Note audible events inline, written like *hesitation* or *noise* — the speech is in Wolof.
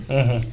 *hesitation* *hesitation*